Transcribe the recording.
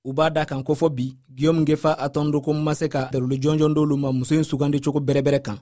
u b'a da a kan ko fɔ bi guillaume ngefa-atondoko ma se ka ɲɛfɔli di olu ma muso in sugandi cogo bɛrɛbɛrɛ kan